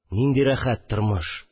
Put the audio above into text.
Нинди рәхәт тормыш